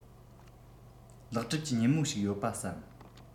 ལེགས གྲུབ གྱི ཉིན མོ ཞིག ཡོད པ བསམ